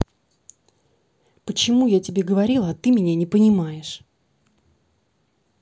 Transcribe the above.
почему я тебе говорила а ты меня не понимаешь